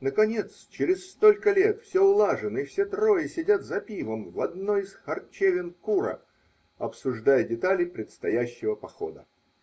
Наконец, через столько лет, все улажено и все трое сидят за пивом в одной из харчевен Кура, обсуждая детали предстоящего похода.